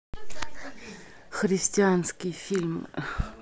христианские фильмы